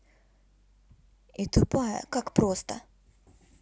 и тупая как просто